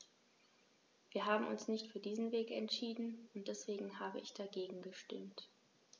Wir haben uns nicht für diesen Weg entschieden, und deswegen habe ich dagegen gestimmt.